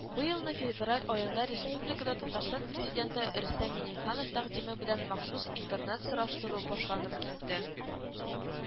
Быелны февраль аенда республикада татарстан президенты рөстәм миңнеханов тәкъдиме белән махсус интернет-сораштыру башланып китте